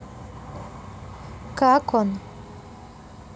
как он